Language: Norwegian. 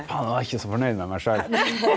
faen eg var ikkje så fornøgd med meg sjølv.